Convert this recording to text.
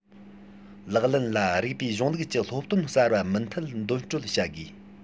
ལག ལེན ལ རིགས པའི གཞུང ལུགས ཀྱི སློབ སྟོན གསར པ མུ མཐུད འདོན སྤྲོད བྱ དགོས